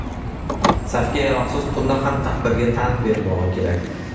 safga yaroqsiz turna ham taqdirga tan bermog'i kerak